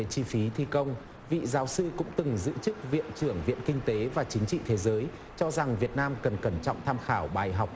chi phí thi công vị giáo sư cũng từng giữ chức viện trưởng viện kinh tế và chính trị thế giới cho rằng việt nam cần cẩn trọng tham khảo bài học